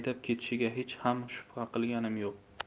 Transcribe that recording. haydab ketishiga hech ham shubha qilganim yo'q